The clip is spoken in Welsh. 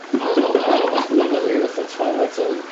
O'n m'wl o'n m'wl bo' chdi'n mynd â ni fatha Twilight Zone.